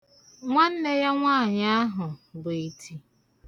Nwanne ya nwaanyị ahụ bụ iti.